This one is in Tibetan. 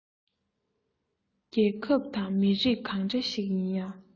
རྒྱལ ཁབ དང མི རིགས གང འདྲ ཞིག ཡིན ནའང